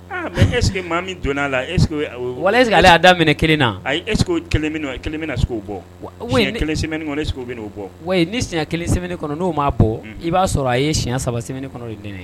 Eseke maa min donna a la e walase kaale y'a daminɛ minɛ kelen na ayi es kelen kelen bɛna na sigi oo bɔ kelen sɛbɛnen kɔnɔ e o bɔ wa ni siɲɛ kelen sɛbɛnen kɔnɔ'o' bɔ i b'a sɔrɔ a ye siɲɛ saba sɛ kɔnɔ ye deniɛnɛn ye